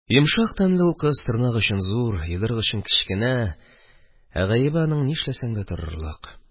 Йомшак тәнле ул кыз тырнак өчен зур, йодрык өчен кечкенә, ә гаебе аның ни эшләсәң дә торырлык